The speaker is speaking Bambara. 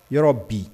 Yɔrɔ bi